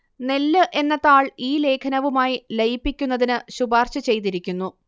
നെല്ല് എന്ന താൾ ഈ ലേഖനവുമായി ലയിപ്പിക്കുന്നതിന് ശുപാർശ ചെയ്തിരിക്കുന്നു